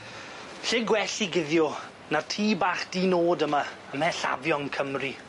Lle gwell i guddio, na'r tŷ bach di-nod yma, ym mhellafion Cymru.